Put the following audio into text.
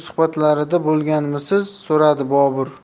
suhbatlarida bo'lganmisiz so'radi bobur